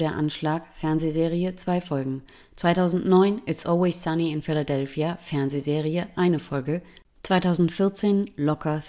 Anschlag (Fernsehserie, 2 Folgen) 2009: It’ s Always Sunny in Philadelphia (Fernsehserie, 1 Folge) 2014: Locker